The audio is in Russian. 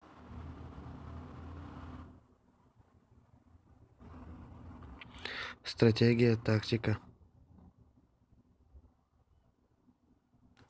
стратегия тактика